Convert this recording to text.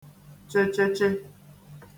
chịchịchị